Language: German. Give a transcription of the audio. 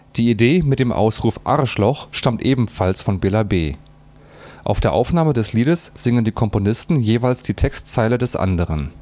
Die Idee mit dem Ausruf „ Arschloch! “stammt ebenfalls von Bela B. Auf der Aufnahme des Liedes singen die Komponisten jeweils die Textteile des anderen